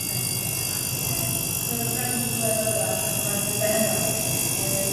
plentyn ac eem rydyn rydyn ni'n gweld yr anghyfadleddau eem